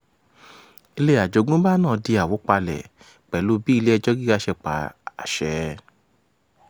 Ilé àjogúnbá náà di àwópalẹ̀ pẹ̀lú bí Ilé-ẹjọ́ Gíga ṣe pa àṣẹ.